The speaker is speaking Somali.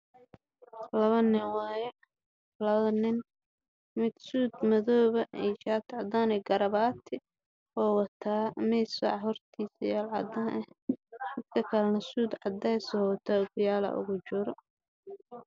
Waa labo nin mid suud madow shaato cadana wato